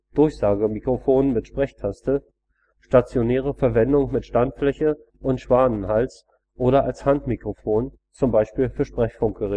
Durchsagemikrofon mit Sprechtaste, stationäre Verwendung mit Standfläche und „ Schwanenhals “oder als Handmikrofon z. B. für Sprechfunkgeräte